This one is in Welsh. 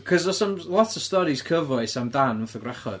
Achos does na'm lot o storis cyfoes amdan fatha gwrachod.